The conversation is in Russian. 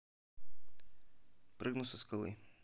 прыгну со скалы